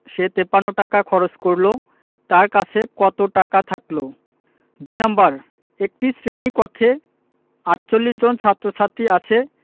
সে ৫৩ টাকা খরচ করল তার কাছে কত টাকা থাকল ২ নাম্বার একটি শ্রেণি কক্ষে ৪৮ জন ছাত্ৰ-ছাত্ৰী আছে